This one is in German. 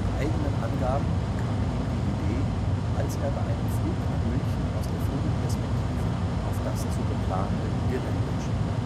eigenen Angaben kam ihm die Idee, als er bei einem Flug nach München aus der Vogelperspektive auf das zu beplanende Gelände schaute